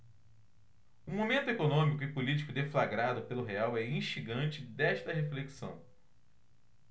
o momento econômico e político deflagrado pelo real é instigante desta reflexão